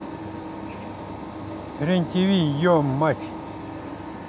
рен тиви еб твою мать